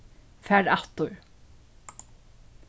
far aftur